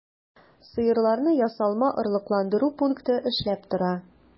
Сыерларны ясалма орлыкландыру пункты эшләп тора.